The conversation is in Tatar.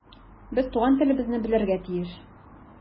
Без туган телебезне белергә тиеш.